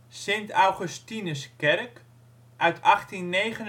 Sint-Augustinuskerk uit 1839-1840